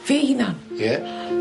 Fe hunan? Ie.